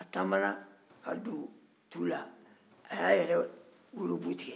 a taamana ka don tu la a y'a yɛrɛ worobu tigɛ